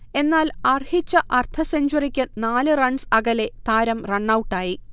എന്നാൽ അർഹിച്ച അർധസെഞ്ച്വറിക്ക് നാല് റൺസ് അകലെ താരം റണ്ണൗട്ടായി